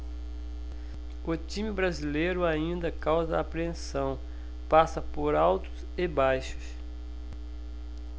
o time brasileiro ainda causa apreensão passa por altos e baixos